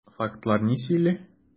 Фактлар ни сөйли?